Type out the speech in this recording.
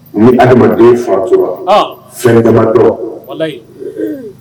Ni adamaden fatura sɛnɛga dɔrɔn